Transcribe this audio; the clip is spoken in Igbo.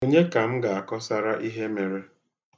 Ọnye ka m ga-akọsara ihe mere?